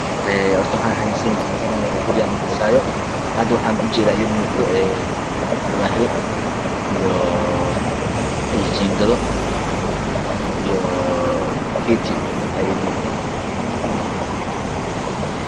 Ee hor waxaan xayeesiin ka bixinaa guri aan dhisayo hadda waxa ii muuqdo ee alwaaxyo iyoo jiin gado iyoo bulakeeti aa ii muuqdo